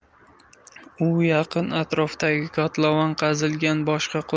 u yaqin atrofdagi kotlovan qazilgan boshqa